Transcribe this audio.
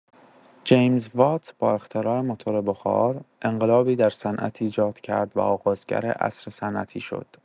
جیمز وات با اختراع موتور بخار، انقلابی در صنعت ایجاد کرد و آغازگر عصر صنعتی شد.